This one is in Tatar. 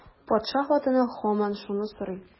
Патша хатыны һаман шуны сорый.